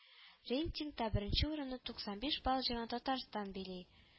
Рейтингта беренче урынны туксанбиш балл җыйган Татарстан били